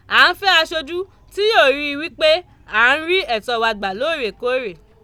À ń fẹ́ aṣojú tí yóò rí i wí pé à ń rí ẹtọ wa gbà lóòrèkóòrè.